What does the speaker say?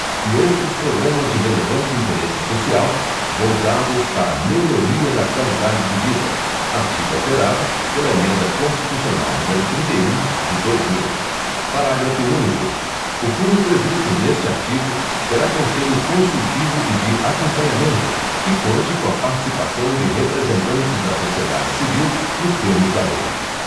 e outros programas de relevante interesse social voltados para melhoria da qualidade de vida artigo alterado pela emenda constitucional número trinta e um de dois mil parágrafo único o fundo previsto neste artigo terá conselho consultivo e de acompanhamento que conte com a participação de representantes da sociedade civil nos termos da lei